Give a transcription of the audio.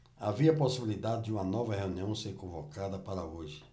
havia possibilidade de uma nova reunião ser convocada para hoje